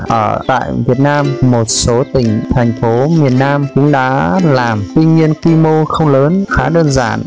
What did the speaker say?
ở tại việt nam một số tỉnh thành phố miền nam cũng đã làm tuy nhiên quy mô không lớn khá đơn giản